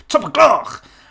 Twp o gloch!